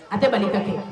A tɛ bali ka kɛ